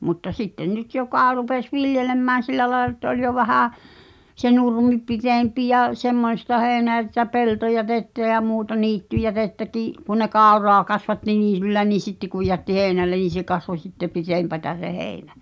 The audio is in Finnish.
mutta sitten nyt joka rupesi viljelemään sillä lailla että oli jo vähän se nurmi pitempi ja semmoista heinää ja sitä peltojätettä ja muuta niittyjätettäkin kun ne kauraa kasvatti niityllä niin sitten kun jätti heinälle niin se kasvoi sitten pitempää se heinä